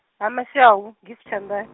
Ha Mashau, givh- tshanda-.